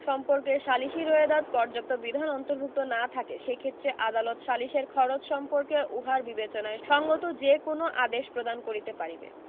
সম্পর্কে সালিসী রোয়েদাদ পর্যাপ্ত বিধান অন্তর্ভুক্ত না থাকে সে ক্ষেত্রে আদালত সালিসের খরচ সম্পর্কে উহার বিবেচনায় সংগত যে কোন আদেশ প্রদান করিতে পারিবে